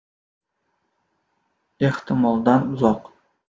ehtimoldan uzoq